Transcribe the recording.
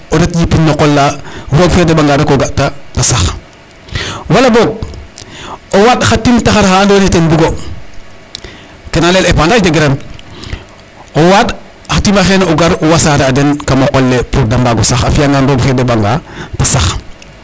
Roog fe deɓanga rek o ga' ta sax wala boog o waaɗ xa tim taxar aka andoona yee ten bugo ke na layel épandage de graine o waaɗ xa tim axeene o gar wasaare a den kam o qol le pour da mbaag o sax a fi'angaan roog fe deɓanga ta sax.